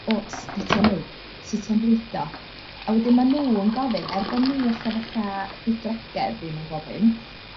o s- be' ti am neud, sut ti am bwydo? A wedyn ma' n'w yn gofyn er bo' ni ella fatha bydwragedd ddim yn gwofyn